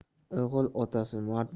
o'g'il otasi mard